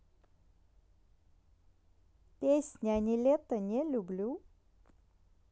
песня niletto не люблю